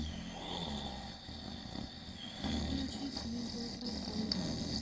включить видео приколы